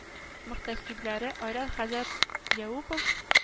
Мөхтәсибләре айрат хәзрәт яупов